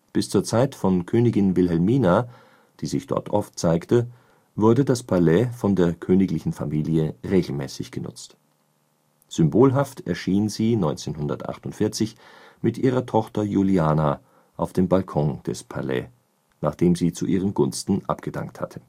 Bis zur Zeit von Königin Wilhelmina, die sich dort oft zeigte, wurde das Palais von der königlichen Familie regelmäßig genutzt. Symbolhaft erschien sie 1948 mit ihrer Tochter Juliana auf dem Balkon des Paleis, nachdem sie zu ihren Gunsten abgedankt hatte